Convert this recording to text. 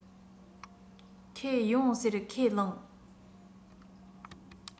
ཁོས ཡོང ཟེར ཁས བླངས